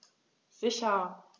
Sicher.